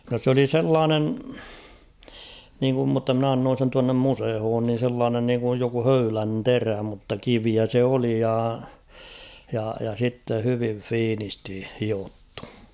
no se oli sellainen niin kuin mutta minä annoin sen tuonne museoon niin sellainen niin kuin joku höylän terä mutta kiveä se oli ja ja ja sitten hyvin fiinisti hiottu